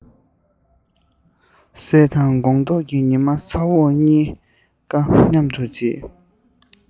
ཟས དང དགོང ཐོག གི ཉི མ ཚ བོ གཉིས ཀ མཉམ དུ བརྗེད